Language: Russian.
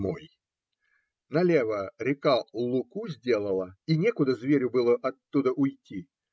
мой!" Налево река луку сделала, и некуда зверю было оттуда уйти